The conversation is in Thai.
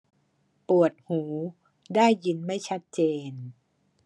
ปวดหูได้ยินไม่ชัดเจน